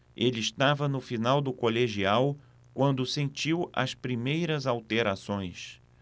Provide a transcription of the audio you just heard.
ele estava no final do colegial quando sentiu as primeiras alterações